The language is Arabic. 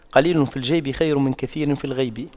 قليل في الجيب خير من كثير في الغيب